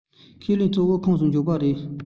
ཁས ལེན གཙོ བོའི ཁོངས སུ འཇུག པ རེད